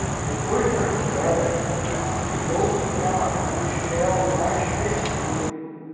depois da vitória afirmou que camarões é o mais perigoso